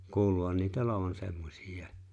kuuluuhan niitä olevan semmoisia